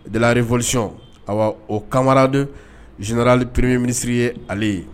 Dalare fɔsion a o kamaradon zinarali pereirie minisiriri ye ale ye